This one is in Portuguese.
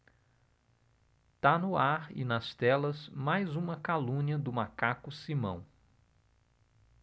tá no ar e nas telas mais uma calúnia do macaco simão